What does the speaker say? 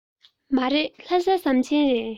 མ རེད ལྷ སའི ཟམ ཆེན རེད